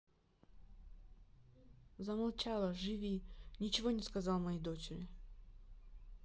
замолчала живи ничего не сказал моей дочери